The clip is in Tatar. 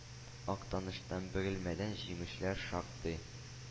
Актаныштан, Бөгелмәдән җиңүчеләр шактый,